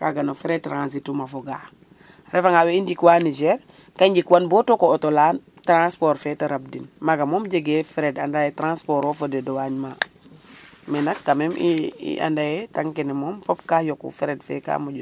kaga no frais transit uma foga a refa nga we i njik wa Niger ka i njik wan bo tooko auto la transport fe te rab din kaga mom jege frais anda ye transport o fo de douagne ma mais nak quand meme i ana ye temps kene mom fop ka yoqu frais fe ka